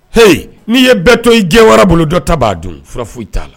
H n'i ye bɛɛ to i jɛ wara bolo dɔ ta b'a don fura foyi t'a la